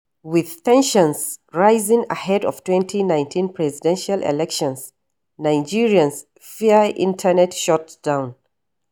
With tensions rising ahead of 2019 presidential elections, Nigerians fear internet shutdown